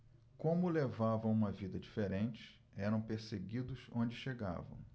como levavam uma vida diferente eram perseguidos onde chegavam